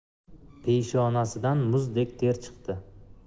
peshonasidan muzdek ter chiqdi